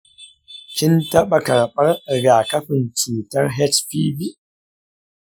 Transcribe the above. kin taɓa karɓar rigakafin cutar hpv?